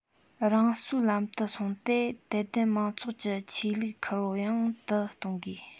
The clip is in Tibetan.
རང གསོའི ལམ དུ སོང སྟེ དད ལྡན མང ཚོགས ཀྱི ཆོས ལུགས ཁུར བོ ཡང དུ གཏོང དགོས